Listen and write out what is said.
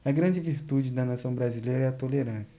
a grande virtude da nação brasileira é a tolerância